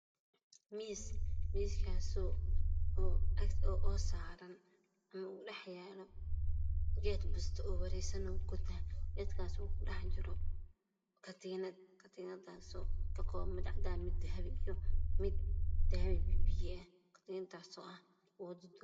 Miis oo saaran dhaxyaalo ku dhex jiro katiinad dahabi katiinadaasoo ah